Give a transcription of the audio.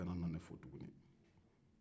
kana na ne fo tuguni